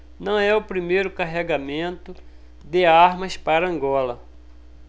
não é o primeiro carregamento de armas para angola